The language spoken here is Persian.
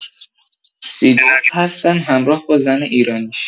سیدورف هستن همراه با زن ایرانیش